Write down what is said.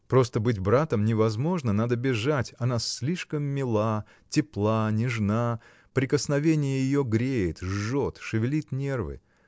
Просто быть братом невозможно, надо бежать: она слишком мила, тепла, нежна, прикосновение ее греет, жжет, шевелит нервы.